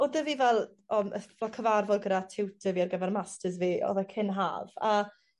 O'dd 'dy fi fel o m- ff- ma' cyfarfod gyda tutor fi ar gyfer masters fi o'dd e cyn haf a